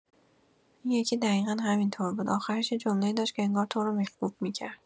این یکی دقیقا همین‌طور بود، آخرش یه جمله‌ای داشت که انگار تو رو میخکوب می‌کرد.